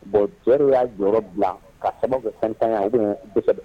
Bon cɛ dɔw y'a jɔyɔrɔ bila ka sababu kɛ fɛntan ya ou bien dɛsɛ